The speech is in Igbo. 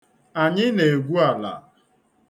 Anyị na-egwu ala.